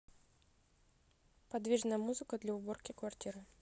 подвижная музыка для уборки квартиры